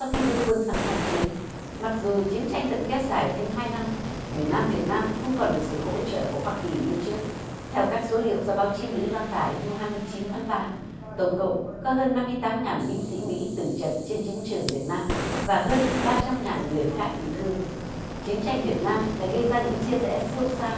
sau khi đưa quân sang tham chiến mặc dù chiến tranh vẫn kéo dài thêm hai năm miền nam việt nam không còn được sự hỗ trợ của hoa kỳ như trước theo các số liệu do báo chí mỹ loan tải hôm hai chín tháng ba tổng cộng có hơn năm mươi tám ngàn binh sĩ mỹ tử trận trên chiến trường việt nam và hơn ba trăm ngàn người khác bị thương chiến tranh việt nam đã gây ra những chia rẽ sâu xa